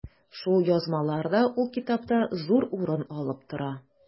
Шул язмалар да ул китапта зур урын алып тора.